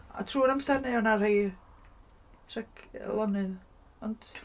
A trwy'r amser neu oedd 'na rei, trac- lonydd, ond?